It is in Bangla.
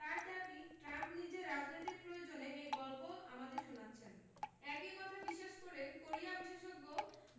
তাঁর দাবি ট্রাম্প নিজের রাজনৈতিক প্রয়োজনে এই গল্প আমাদের শোনাচ্ছেন একই কথা বিশ্বাস করেন কোরিয়া বিশেষজ্ঞ